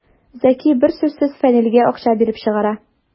Зәки бер сүзсез Фәнилгә акча биреп чыгара.